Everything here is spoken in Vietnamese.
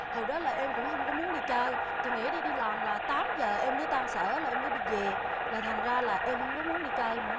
hòi đó là em cũng hông có mún đi chơi chị nghĩ đi đi làm là tám giờ em mới tan sở là em mới đi dề là thằn ra là em hông có mún đi chơi nữa